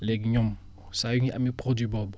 léegi ñoom saa yu ñu amee produit boobu